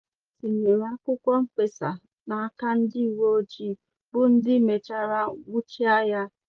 O tinyere akwụkwọ mkpesa n'aka ndị uwe ojii bụ ndị mechara nwụchịa ya.